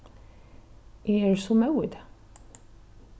eg eri so móð í dag